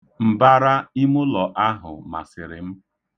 Mbara imụlọ ahụ masịrị m.